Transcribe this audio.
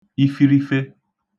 ifirife